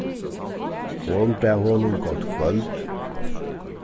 hon bað honum gott kvøld